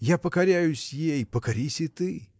Я покоряюсь ей, покорись и ты.